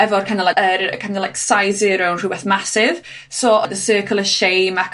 efo'r kine o' li- yr kin' o' like size zero yn rhwbeth massive. So odd y circle of shameac